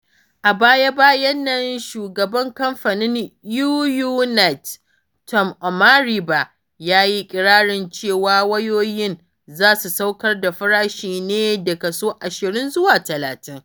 A baya-bayan nan Shugaban Kamfanin UUnet, Tom Omariba ya yi iƙirarin cewa, wayoyin za su saukar da farashi ne da kaso 20 zuwa 30.